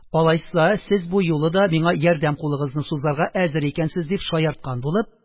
Алайса, сез бу юлы да миңа ярдәм кулыгызны сузарга әзер икәнсез, – дип, шаярткан булып